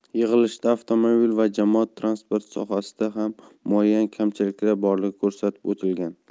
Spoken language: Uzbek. yig'ilishda avtomobil va jamoat transporti sohasida ham muayyan kamchiliklar borligi ko'rsatib o'tilgan